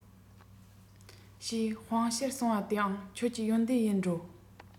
ཞེས སྤང བྱར གསུངས པ དེ ཡང ཁྱོད ཀྱི ཡོན ཏན ཡིན འགྲོ